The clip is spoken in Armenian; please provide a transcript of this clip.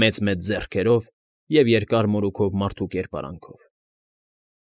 Մեծ֊մեծ ձեռքերով և երկար մորուքով մարդու կերպարանքով։